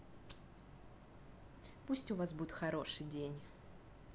пусть у вас будет хороший день